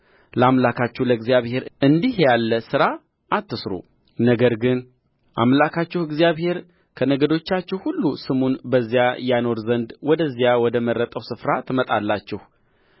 ለአምላካችሁ ለእግዚአብሔር እንዲህ ያለ ሥራ አትሥሩ ነገር ግን አምላካችሁ እግዚአብሔር ከነገዶቻችሁ ሁሉ ስሙን በዚያ ያኖር ዘንድ ወደዚያ ወደ መረጠው ስፍራ ትመጣላችሁ